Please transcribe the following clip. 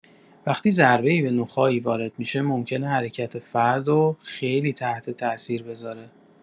وقتی ضربه‌ای به نخاعی وارد می‌شه، ممکنه حرکت فرد رو خیلی تحت‌تاثیر بذاره.